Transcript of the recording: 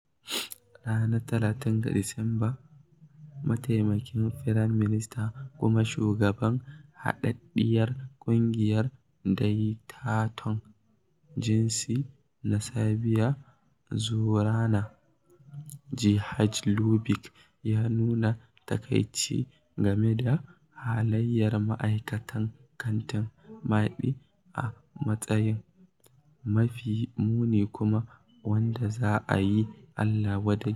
Ranar 31 ga Disamba, mataimakin firanminista kuma shugaban Haɗaɗɗiyar ƙungiyar Daidaton Jinsi na Serbiya, Zorana Mihajloɓic, ya nuna takaici game da halayyar ma'aikatan kantin Maɗi a matsayin "mafi muni kuma wadda za a yi allawadai.